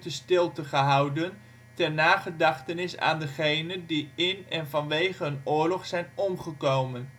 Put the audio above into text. stilte gehouden ter nagedachtenis aan degenen die in en vanwege de oorlog zijn omgekomen